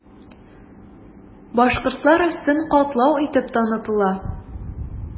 Башкортлар өстен катлау итеп танытыла.